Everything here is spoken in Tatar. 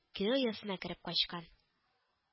Кире оясына кереп качкан